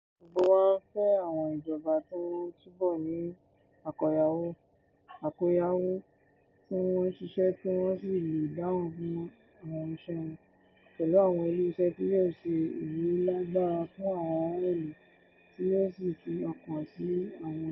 Gbogbo wa ń fẹ́ àwọn ìjọba tí wọ́n túbọ̀ ní àkóyawọ́, tí wọ́n ń ṣiṣẹ́ tí wọ́n sì lè dáhùn fún àwọn iṣẹ́ wọn — pẹ̀lú àwọn ilé-iṣẹ́ tí yóò ṣe ìrólágbára fún àwọn ará-ìlú tí yóò sì fi ọkàn sí àwọn ìfẹ́ wọn.